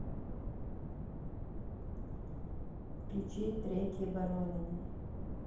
включи треки борониной